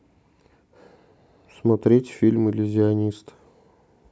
смотреть фильм иллюзионист